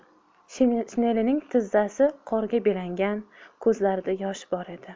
shinelining tizzasi qorga belangan ko'zlarida yosh bor edi